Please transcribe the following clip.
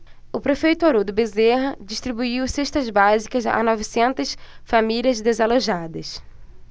o prefeito haroldo bezerra distribuiu cestas básicas a novecentas famílias desalojadas